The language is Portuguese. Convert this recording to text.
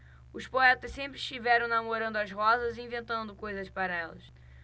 os poetas sempre estiveram namorando as rosas e inventando coisas para elas